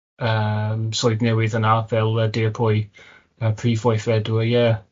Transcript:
yym, swydd newydd yn naw' fel yy dirprwy y prif weithredwr, yeah.